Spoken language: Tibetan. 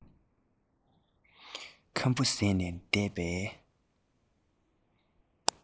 ཁམ བུ ཟས ནས བསྡད པའི